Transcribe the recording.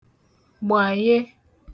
gbàye